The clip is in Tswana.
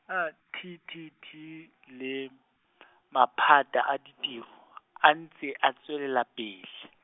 T T T, le, maphata a ditiro, a ntse a tswelela pele.